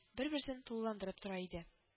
Бер-берсен тулыландырып тора иде